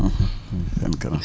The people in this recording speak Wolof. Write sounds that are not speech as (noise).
(hesitation) (hesitation) seen kanam